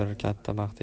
bir katta baxt edi